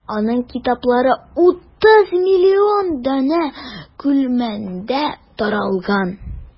Аның китаплары 30 миллион данә күләмендә таралган.